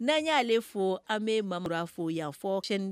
N'an y'aale fo an bɛ mara fo yan fɔ